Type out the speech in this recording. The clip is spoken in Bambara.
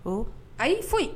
Ɔ ayi foyi